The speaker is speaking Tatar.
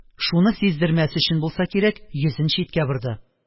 Шуны сиздермәс өчен булса кирәк, йөзен читкә борды.